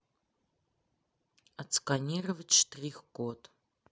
отсканировать штрих код